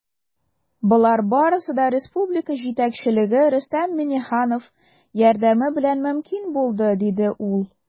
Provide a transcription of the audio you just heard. Болар барысы да республика җитәкчелеге, Рөстәм Миңнеханов, ярдәме белән мөмкин булды, - диде ул.